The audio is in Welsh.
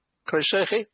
Croeso i chi.